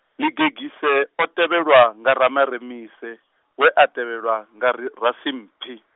Ḽigegise o tevhelwa, nga Ramaremisa, we a tevhelwa, nga Re- Rasimphi.